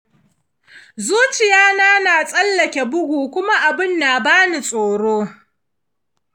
zuciyana yana tsallake bugu kuma abun na bani tsoro.